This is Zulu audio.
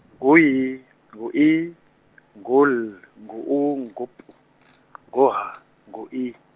ngu- Y, ngu- I, ngu- L, ngu- U, ngu- P, ngu- H, ngu- I.